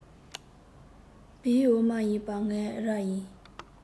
བའི འོ མ ཡིན པས ངས རའི